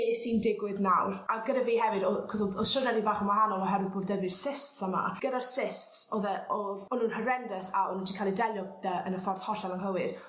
be'sy'n digwydd nawr a gyda fi hefyd o 'c'os o'dd o'dd siwrne fi bach yn wahanol oherwydd bo' 'dy fi'r cysts yma gyda'r cysts o'dd e o'dd o'n nw'n horrendous a o' n'w 'di ca'l eu delio 'dy yn y ffordd hollol anghywir